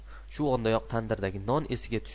shu ondayoq tandirdagi non esiga tushib